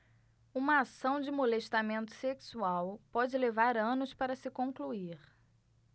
uma ação de molestamento sexual pode levar anos para se concluir